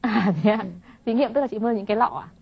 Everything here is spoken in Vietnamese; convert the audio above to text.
à thế ạ thí nghiệm tức là chị mơ những cái lọ ạ